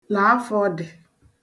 là afọ̀ dị̀